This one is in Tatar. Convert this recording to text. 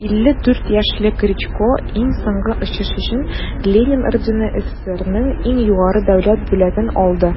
54 яшьлек гречко иң соңгы очыш өчен ленин ордены - сссрның иң югары дәүләт бүләген алды.